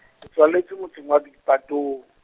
ke tswaletswe motseng wa Boipatong.